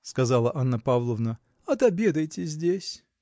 – сказала Анна Павловна, – отобедайте здесь!